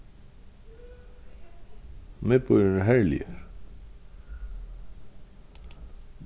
miðbýurin er herligur